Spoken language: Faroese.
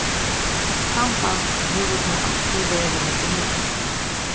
samband hevur tó altíð verið millum lond